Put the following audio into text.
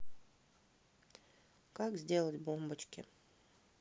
как сделать бомбочки